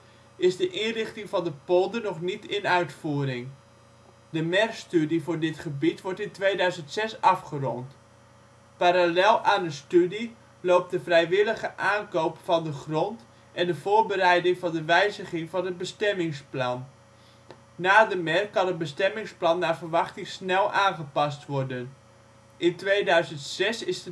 inrichting van de polder nog niet in uitvoering. De MER-studie voor dit gebied wordt in 2006 afgerond. Parallel aan de studie loopt de vrijwillige aankoop van de grond en de voorbereiding van de wijziging van het bestemmingsplan. Na de MER kan het bestemmingsplan naar verwachting snel aangepast worden. In 2006 is de